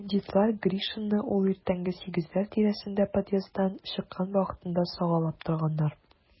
Бандитлар Гришинны ул иртәнге сигезләр тирәсендә подъезддан чыккан вакытында сагалап торганнар.